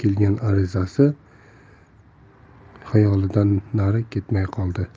kelgan arizasi xayolidan nari ketmay qoldi